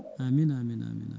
amine amine amine a